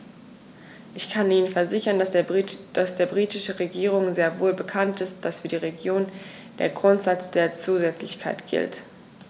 Ich kann Ihnen versichern, dass der britischen Regierung sehr wohl bekannt ist, dass für die Regionen der Grundsatz der Zusätzlichkeit gilt.